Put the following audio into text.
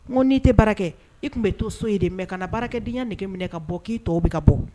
Ko n'i tɛ baarakɛ e tun bɛ to so yen de mɛ kana na baarakɛdenyaya nɛgɛge minɛ ka bɔ k'i tɔw bɛ ka bɔ